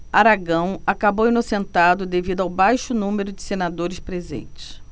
aragão acabou inocentado devido ao baixo número de senadores presentes